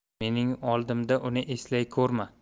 mening oldimda uni eslay ko'rma